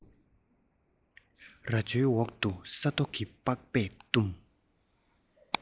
རྭ ཅོའི འོག ཏུ ས མདོག གིས པགས པས བཏུམས